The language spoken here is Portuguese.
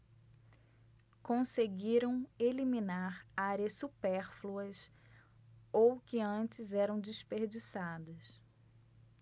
conseguiram eliminar áreas supérfluas ou que antes eram desperdiçadas